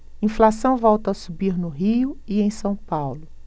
inflação volta a subir no rio e em são paulo